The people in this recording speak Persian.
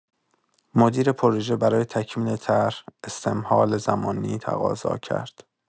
مدیر پروژه برای تکمیل طرح، استمهال زمانی تقاضا کرد.